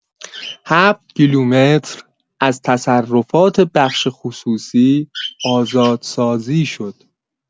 ۷ کیلومتر از تصرفات بخش خصوصی آزادسازی شد.